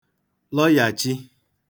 lọyachi